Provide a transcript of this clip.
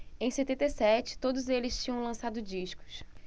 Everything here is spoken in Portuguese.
em setenta e sete todos eles tinham lançado discos